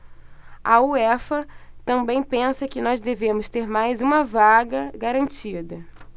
a uefa também pensa que nós devemos ter mais uma vaga garantida